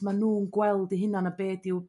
ma' nhw'n gweld 'u hunan a be 'dy 'w